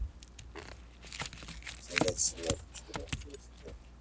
солдаты семнадцать четырнадцатая серия